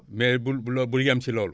mais bul loo bul yam si loolu